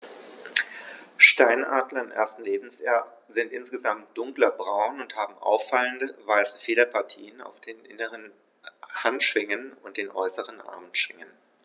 Steinadler im ersten Lebensjahr sind insgesamt dunkler braun und haben auffallende, weiße Federpartien auf den inneren Handschwingen und den äußeren Armschwingen.